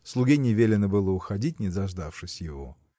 Слуге не велено было уходить, не дождавшись его.